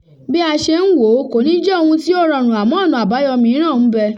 Bí a ṣe ń wò ó, kò ní jẹ́ ohun tí ó rọrùn, àmọ́ ọ̀nà àbáyọ mìíràn ń bẹ.